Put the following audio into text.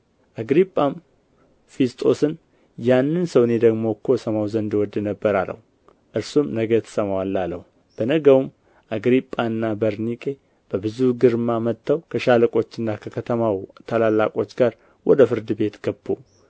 አግሪጳም ፊስጦስን ያንንስ ሰው እኔ ዳግም እኮ እሰማው ዘንድ እወድ ነበር አለው እርሱም ነገ ትሰማዋለህ አለው በነገውም አግሪጳና በርኒቄ በብዙ ግርማ መጥተው ከሻለቆችና ከከተማው ታላላቆች ጋር ወደ ፍርድ ቤት ገቡ